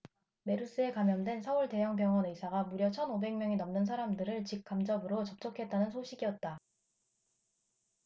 메르스에 감염된 서울 대형 병원 의사가 무려 천 오백 명이 넘는 사람들을 직 간접으로 접촉했다는 소식이었다